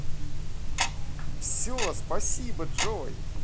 все спасибо джой